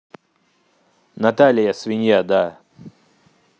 наталия свинья да